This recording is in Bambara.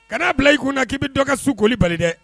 Ka n'a bila i kunna k'i bɛ dɔ ka su koli bali dɛ!